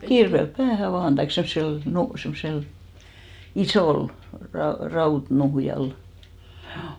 kirveellä päähän vain tai semmoisella - semmoisella isolla - rautanuhjalla juu